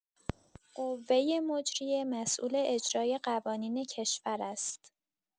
قوه مجریه مسئول اجرای قوانین کشور است.